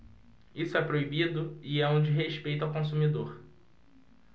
isso é proibido e é um desrespeito ao consumidor